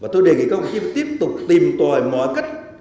và tôi đề nghị các đồng chí tiếp tục tìm tòi mọi cách